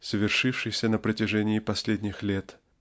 совершившейся на протяжении последних лет